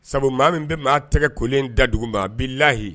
Sabu maa min bɛ maa tɛgɛ kolen da dugu ma a bi layi